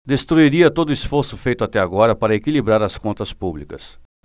destruiria todo esforço feito até agora para equilibrar as contas públicas